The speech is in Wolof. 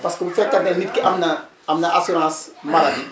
parce que bu fekkente ne nit ki am na am na assurance maladie